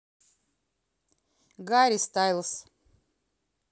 гарри стайлс